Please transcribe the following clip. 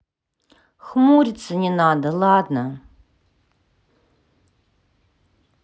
хмуриться не надо ладно